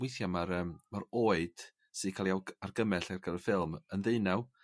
weithia' ma'r yym ma'r oed sy'n ca'l ei awg- argymell ar gyfer y ffilm yn ddeunaw.